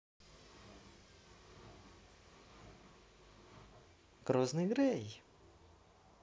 грозный grey